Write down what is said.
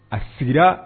A sigira